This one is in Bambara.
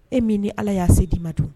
E min ni ala y'a se k'i ma don